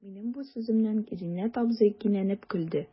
Минем бу сүземнән Зиннәт абзый кинәнеп көлде.